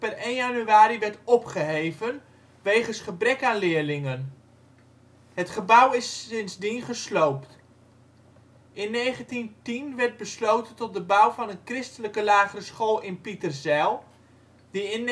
1 januari) werd opgeheven wegens gebrek aan leerlingen. Het gebouw is sindsdien gesloopt. In 1910 werd besloten tot de bouw van een christelijke lagere school in Pieterzijl, die